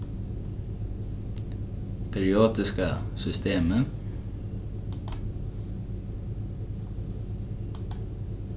periodiska systemið